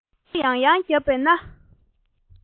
སྐད ཅོར ཡང ཡང བརྒྱབ པ ན